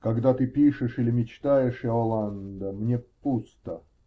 -- Когда ты пишешь или мечтаешь, Иоланда, мне пусто.